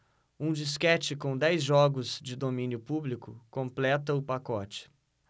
um disquete com dez jogos de domínio público completa o pacote